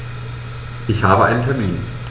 Ich habe einen Termin.